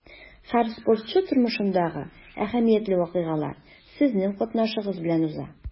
Һәр спортчы тормышындагы әһәмиятле вакыйгалар сезнең катнашыгыз белән уза.